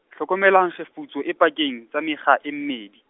hlokomelang kgefutso, e pakeng, tsa mekga e mmedi.